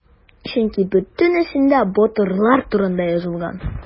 Чөнки бөтенесендә батырлар турында язылган.